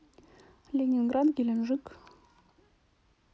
ленинград геленджик